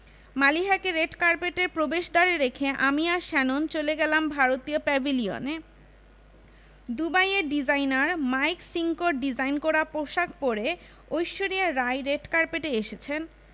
মালিহাকে রেড কার্পেটের প্রবেশদ্বারে রেখে আমি আর শ্যানন চলে গেলাম ভারতীয় প্যাভিলিয়নে দুবাইয়ের ডিজাইনার মাইক সিঙ্কোর ডিজাইন করা পোশাক পরে ঐশ্বরিয়া রাই রেড কার্পেটে এসেছেন